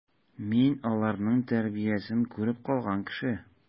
Мин аларның тәрбиясен күреп калган кеше.